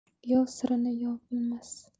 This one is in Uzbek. yov sirini yov bilmas